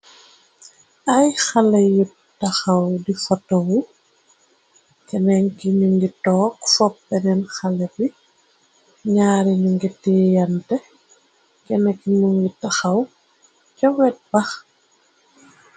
Ay xale yu taxaw di foto wu kenenki ñu ngi took foppeneen xale bi ñaare ñu ngi tieyante kene ki mu ngi taxaw ca wej bax.